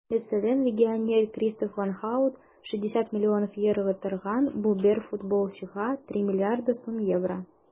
Мәсәлән, легионер Кристоф ван Һаут (Халк) 60 млн евро торган - бу бер футболчыга 3 млрд сум евро!